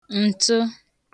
ǹtụ